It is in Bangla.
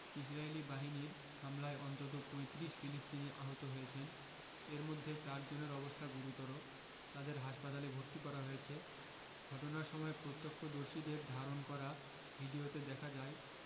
ইসরাইলি বাহিনীর হামলায় অন্তত ৩৫ ফিলিস্তিনি আহত হয়েছেন এর মধ্যে চারজনের অবস্থা গুরুত্বর তাদের হাসপাতালে ভর্তি করা হয়েছে ঘটনার সময় প্রত্যক্ষদর্শীদের ধারণ করা ভিডিওতে দেখা যায়